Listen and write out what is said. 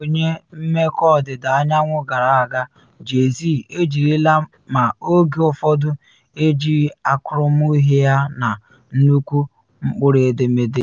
Onye mmekọ Ọdịda Anyanwụ gara aga, JAY-Z, ejirila ma oge ụfọdụ ejighi akarauhie yana nnukwu mkpụrụedemede.